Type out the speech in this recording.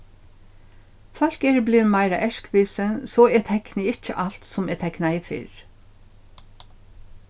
fólk eru blivin meira erkvisin so eg tekni ikki alt sum eg teknaði fyrr